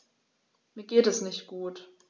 Mir geht es nicht gut.